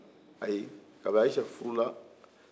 ayi ka bini ayisa furu la